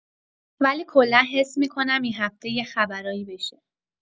ولی کلا حس می‌کنم این هفته یه خبرایی بشه